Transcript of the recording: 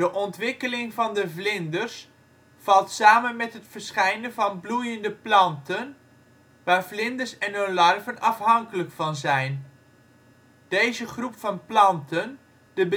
ontwikkeling van de vlinders valt samen met het verschijnen van bloeiende planten, waar vlinders en hun larven afhankelijk van zijn. Deze groep van planten, de